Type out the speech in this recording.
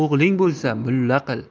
o'g'ling bo'lsa mulla qil